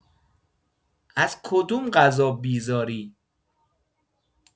از کدوم غذا بیزاری؟